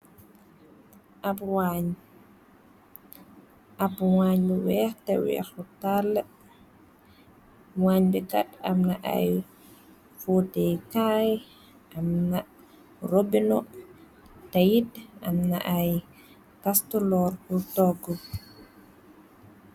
ab wañ bu weex teweexu tall wañ bi kat am na ay foute kaay am na rodino te yit am na ay tast loor lu tokk